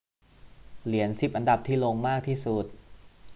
เหรียญสิบอันดับที่ลงมากที่สุด